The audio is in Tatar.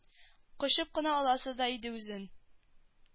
Кочып кына аласы да иде үзен